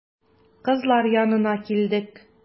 Кызлар янына килдек.